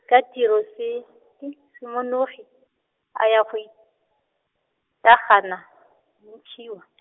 ka tiro Se- Semonogi, a ya go itagana , Motshiwa.